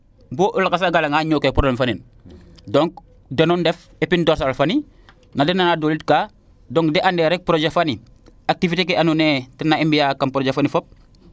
bo o lakas a gara nga ñow ke probleme fane donc deno ndef na den a doonik kaa donc de ande rek projet fani activiter ke ando naye ten i mbiya kam projet fani fop